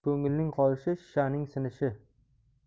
ko'ngilning qolishi shishaning sinishi